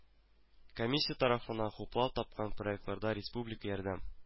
Комиссия тарафыннан хуплау тапкан проектларга республика ярдәм